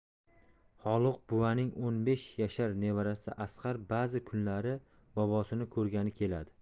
xoliq buvaning o'n besh yashar nevarasi asqar ba'zi kunlari bobosini ko'rgani keladi